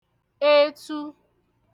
etu